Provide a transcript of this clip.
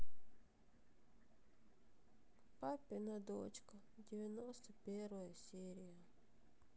папина дочка девяносто первая серия